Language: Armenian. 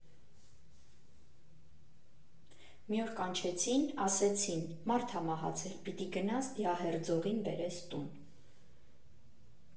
Մի օր կանչեցին, ասեցին՝ մարդ ա մահացել, պիտի գնաս դիահերձողին բերես տուն։